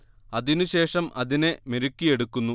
അതിനു ശേഷം അതിനെ മെരുക്കിയെടുക്കുന്നു